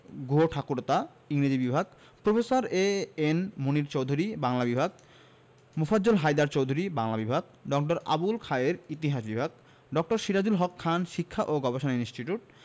গুহঠাকুরতা ইংরেজি বিভাগ professor A N Munier Chowdhury Bangla বিভাগ মোফাজ্জল হায়দার চৌধুরী বাংলা বিভাগ ড. আবুল খায়ের ইতিহাস বিভাগ ড. সিরাজুল হক খান শিক্ষা ও গবেষণা ইনস্টিটিউট